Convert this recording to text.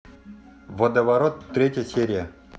водоворот третья серия